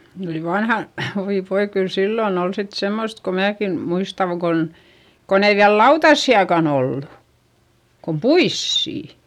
ne oli - oi voi kyllä silloin oli sitten semmoista kun minäkin muistan kun kun ei vielä lautasiakaan ollut kuin puisia